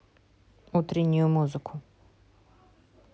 утреннюю музыку